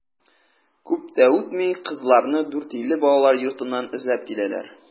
Күп тә үтми кызларны Дүртөйле балалар йортыннан эзләп киләләр.